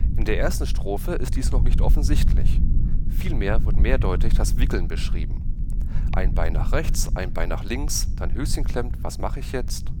In der ersten Strophe ist dies noch nicht offensichtlich. Vielmehr wird mehrdeutig das Wickeln beschrieben: „ Ein Bein nach rechts, ein Bein nach links / Dein Höschen klemmt, was mach ' ich jetzt